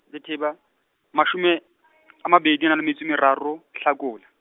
letheba, mashome, a mababedi, a nang le metso e meraro, Hlakola.